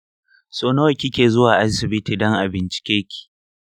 sau nawa kike zuwa asibiti don a bincikeki?